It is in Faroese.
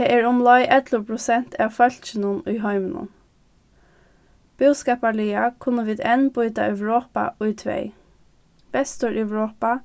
tað er umleið ellivu prosent av fólkinum í heiminum búskaparliga kunnu vit enn býta europa í tvey vestureuropa